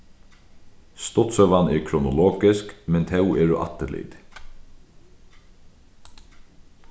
stuttsøgan er kronologisk men tó eru afturlit